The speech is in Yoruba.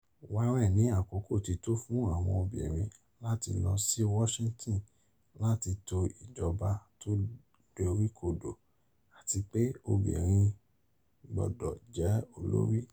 Warren ní àkókò ti tó “fún àwọn òbinrin láti lọ sí Washington láti to ìjọba tó doríkodò, àti pé obìnrin gbọ́dọ̀ jẹ́ olórí.”